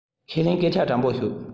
ཁས ལེ སྐད ཆ དྲང པོ ཤོད